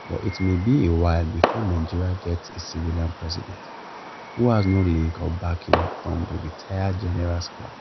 But it may be a while before Nigeria gets a civilian president who has no links or backing from the retired generals "club".